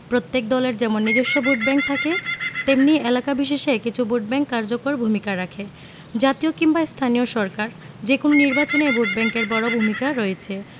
প্রত্যেক দলের যেমন নিজস্ব ভোটব্যাংক থাকে তেমনি এলাকা বিশেষে কিছু ভোটব্যাংক কার্যকর ভূমিকা রাখে জাতীয় কিংবা স্থানীয় সরকার যেকোনো নির্বাচনেই ভোটব্যাংকের বড় ভূমিকা রয়েছে